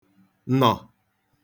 nọ̀